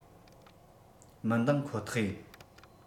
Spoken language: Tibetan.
མི འདངས ཁོ ཐག ཡིན